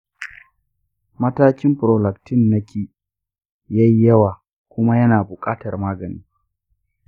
matakin prolactin naki yayi yawa kuma yana bukatar magani.